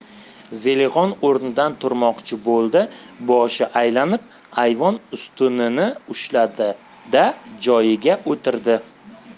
zelixon o'rnidan turmoqchi bo'ldi boshi aylanib ayvon ustunini ushladi da joyiga o'tirdi